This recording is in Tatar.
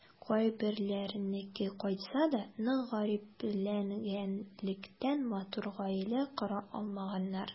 Кайберләренеке кайтса да, нык гарипләнгәнлектән, матур гаилә кора алмаганнар.